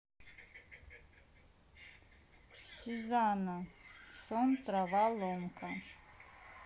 сюзанна сон трава ломка